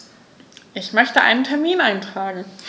Ich möchte einen Termin eintragen.